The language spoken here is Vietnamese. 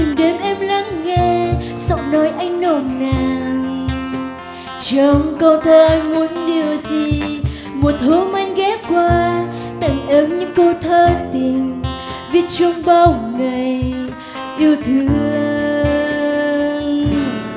từng đêm em lắng nghe giọng nói anh nồng nàn trong câu thơ anh muốn điều gì một hôm anh ghé qua tặng em những câu thơ tình viết trong bao ngày yêu thương